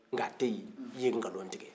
nka a tɛ yen i ye ngalon tigɛ